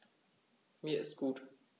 Mir ist gut.